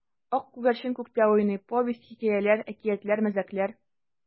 Ак күгәрчен күктә уйный: повесть, хикәяләр, әкиятләр, мәзәкләр.